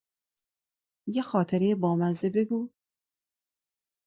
یه خاطره بامزه بگو!